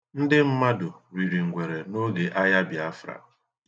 Ndị mmadụ riri ngwere n'oge agha Bịafra.